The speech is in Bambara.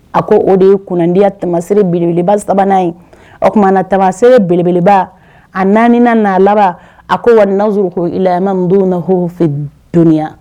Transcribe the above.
A ko o de ye kundi tamaseere belebeleba sabanan ye o tumaumana na tamaseere belebeleba a naani naa laban a ko wa n naz ko i la an madenw na h fɛ donya